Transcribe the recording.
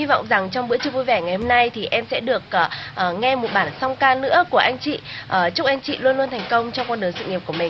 hy vọng rằng trong bữa trưa vui vẻ ngày hôm nay thì em sẽ được cờ ờ nghe một bản song ca nữa của anh chị ờ chúc anh chị luôn luôn thành công trong con đường sự nghiệp của mình